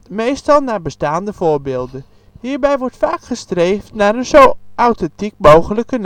meestal naar bestaande voorbeelden. Hierbij wordt vaak gestreefd naar een zo authentiek mogelijk nabootsing